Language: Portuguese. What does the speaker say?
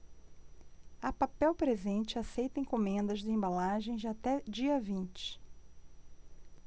a papel presente aceita encomendas de embalagens até dia vinte